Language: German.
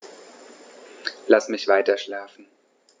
Lass mich weiterschlafen.